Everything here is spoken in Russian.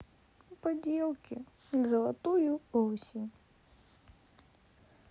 поделки на золотую осень